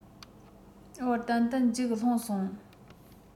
བར ཏན ཏན འཇིགས སློང སོང